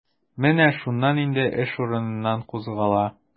Менә шуннан инде эш урыныннан кузгала.